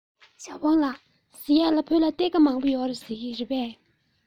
ཞའོ ཧྥུང ལགས ཟེར ཡས ལ བོད ལ གཏེར མང པོ ཡོད རེད ཟེར གྱིས རེད པས